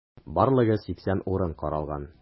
Барлыгы 80 урын каралган.